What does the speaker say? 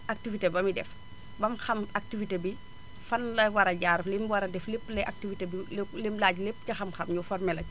activité ba muy def ba mu xam activité bi fan la war a jaar li mu war a def lépp la activité bi li li li mu laaj lépp ci xam-xam ñu formé la ci